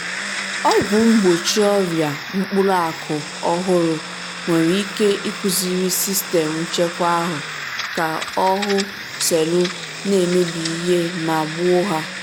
Ọgwụ mgbochi ọrịa mkpụrụ akụ ọhụrụ nwere ike ikuziri sistem nchekwa ahụ ka ọ “hụ” selụ na-emebi ihe ma gbuo ha